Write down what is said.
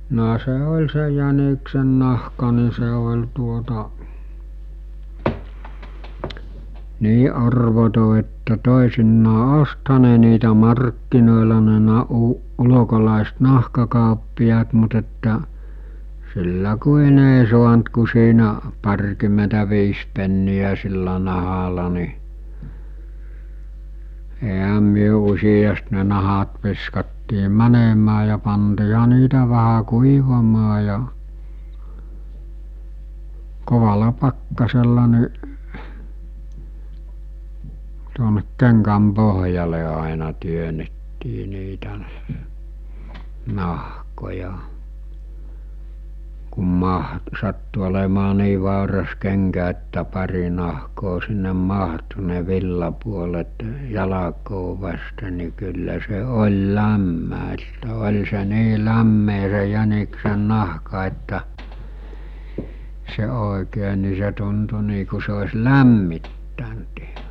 no se oli se jäniksennahka niin se oli tuota niin arvoton että toisinaan ostihan ne niitä markkinoilla ne -- ulkolaiset nahkakauppiaat mutta että sillä kuin ei saanut kuin siinä parikymmentäviisi penniä sillä nahalla niin eihän me useasti ne nahat viskattiin menemään ja pantiinhan niitä vähän kuivamaan ja kovalla pakkasella niin tuonne kengän pohjalle aina työnnettiin niitä nahkoja kun - sattui olemaan niin vauras kenkä että pari nahkaa sinne mahtui ne villapuolet jalkaa vasten niin kyllä se oli lämmin että oli se niin lämmin se jäniksennahka että se oikein niin se tuntui niin kuin se olisi lämmittänyt ihan